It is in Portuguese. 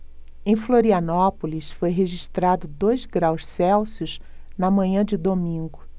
em florianópolis foi registrado dois graus celsius na manhã de domingo